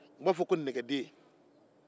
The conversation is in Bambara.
u b'a fɔ ko nɛgɛden